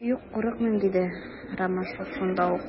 Юк, курыкмыйм, - диде Ромашов шунда ук.